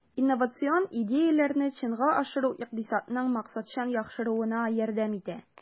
Инновацион идеяләрне чынга ашыру икътисадның максатчан яхшыруына ярдәм итә.